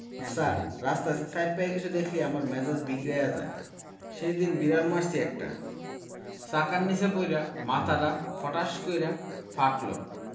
ছার রাস্তায় চাইর পায়া কিছু দেখলেই আমার মেজাজ বিগড়ায়া যায় সেইদিন বিড়াল মারছি একটা চাকার নিচে পইড়া মাথাডা ফটাস কইরা ফাটলো